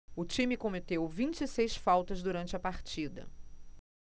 o time cometeu vinte e seis faltas durante a partida